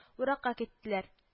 Уракка киттеләр